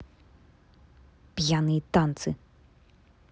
пьяные танцы